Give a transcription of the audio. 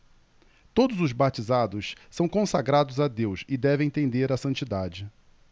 todos os batizados são consagrados a deus e devem tender à santidade